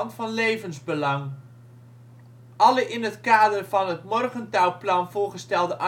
van levensbelang. Alle in het kader van het Morgenthau-plan voorgestelde annexaties